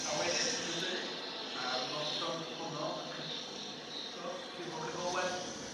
A wedyn yn deud, ar noson honno y cysgwys y cysgodd Culhwch ag Olwen ia.